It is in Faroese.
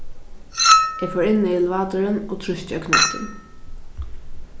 eg fór inn í elevatorin og trýsti á knøttin